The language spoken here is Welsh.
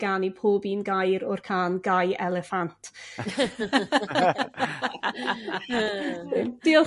ganu pob un gair o'r cân gai eliffant?